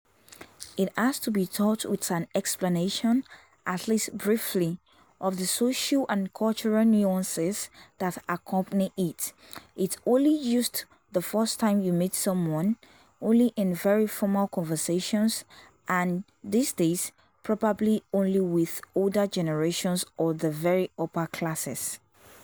It has to be taught with an explanation, at least briefly, of the social and cultural nuances that accompany it: It’s only used the first time you meet someone, only in very formal conversations and, these days, probably only with older generations or the very upper classes.